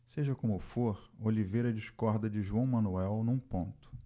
seja como for oliveira discorda de joão manuel num ponto